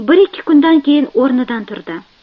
bir ikki kundan keyin o'rnidan turdi